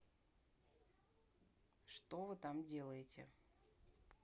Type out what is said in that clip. что вы там делаете